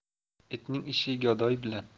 itning ishi gadoy bilan